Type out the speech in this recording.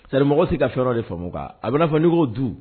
Sariyarimɔgɔ tɛ ka fɛn de faamumu kan a bɛnaa fɔ nɔgɔ du